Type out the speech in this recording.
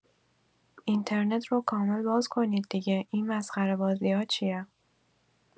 اینترنت رو کامل باز کنید دیگه، این مسخره بازی‌ها چیه؟